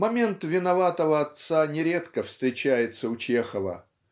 момент виноватого отца нередко встречается у Чехова.